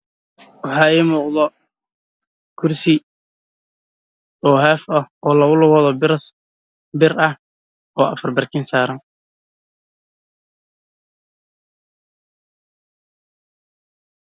Waa qol afar barkii matalo